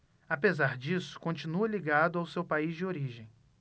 apesar disso continua ligado ao seu país de origem